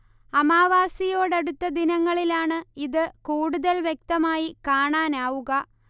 അമാവാസിയോടടുത്ത ദിനങ്ങളിലാണ് ഇത് കൂടുതൽ വ്യക്തമായി കാണാനാവുക